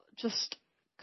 jyst